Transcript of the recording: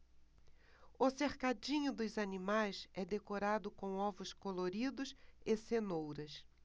o cercadinho dos animais é decorado com ovos coloridos e cenouras